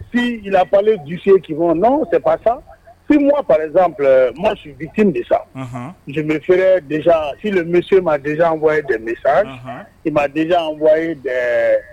si il a parlé du ceux qui vont, non c'est pas ça, si moi par exemple, moi je suis victime de ça, anhan, je me serais déjà si le monsieur m'a déjà envoyé des messages, anhan, il m'a déjà envoyé des